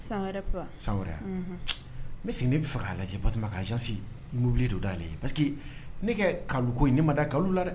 N bɛ ne bɛ faga lajɛ bajansi mobili don' ale ye parce ne kɛ ka ko ma' la